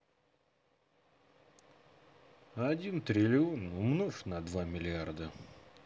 один триллион умножить на два миллиарда